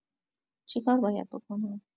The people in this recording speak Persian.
چیکار باید بکنم؟